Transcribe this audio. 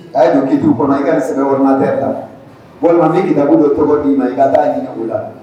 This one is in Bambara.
A' ye don ki du kɔnɔ i ka sɛ wɛrɛlatɛ la walima ne g don tɔgɔ min na i ka t taa ɲini o la